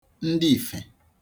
ndị ìfè